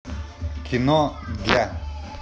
кино для